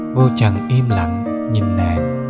vô trần im lặng nhìn nàng